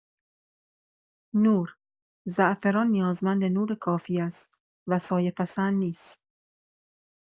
نور: زعفران نیازمند نور کافی است و سایه‌پسند نیست.